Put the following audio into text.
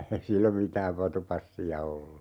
ei silloin mitään vatupassia ollut